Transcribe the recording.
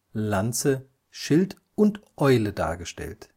Lanze, Schild und Eule – dargestellt